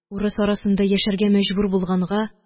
Урыс арасында яшәргә мәҗбүр булганга